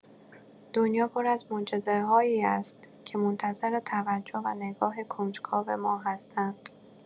دنیا پر از معجزه‌هایی است که منتظر توجه و نگاه کنجکاو ما هستند.